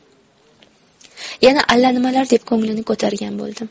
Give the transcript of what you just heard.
yana allanimalar deb ko'nglini ko'targan bo'ldim